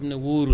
day bette